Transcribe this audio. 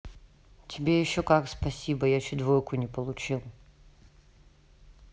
тебе еще как спасибо я чуть двойку не получил